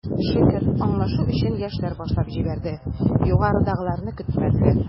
Шөкер, аңлашу эшен, яшьләр башлап җибәрде, югарыдагыларны көтмәделәр.